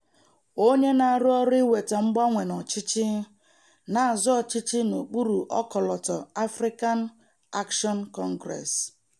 Onye a na-arụ ọrụ iweta mgbanwe n'ọchịchị na-azọ ọchịchị n'okpuru ọkọlọtọ African Action Congress.